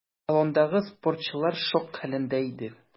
Салондагы спортчылар шок хәлендә иде.